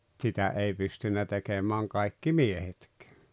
sitä ei pystynyt tekemään kaikki miehetkään